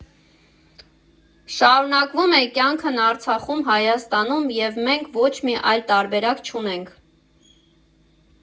Շարունակվում է կյանքն Արցախում, Հայաստանում, և մենք ոչ մի այլ տարբերակ չունենք։